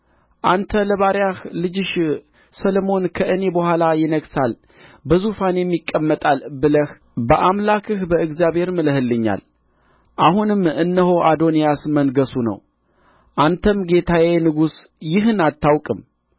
አንተ ለባሪያህ ልጅሽ ሰሎሞን ከእኔ በኋላ ይነግሣል በዙፋኔም ይቀመጣል ብለህ በአምላክህ በእግዚአብሔር ምለህልኛል አሁንም እነሆ አዶንያስ መንገሡ ነው አንተም ጌታዬ ንጉሥ ይህን አታውቅም